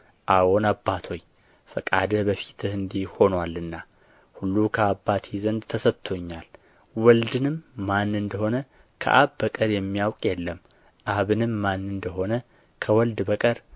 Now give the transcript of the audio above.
አዎን አባት ሆይ ፈቃድህ በፊትህ እንዲህ ሆኖአልና ሁሉ ከአባቴ ዘንድ ተሰጥቶኛል ወልድንም ማን እንደ ሆነ ከአብ በቀር የሚያውቅ የለም አብንም ማን እንደ ሆነ ከወልድ በቀር